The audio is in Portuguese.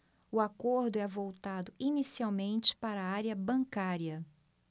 o acordo é voltado inicialmente para a área bancária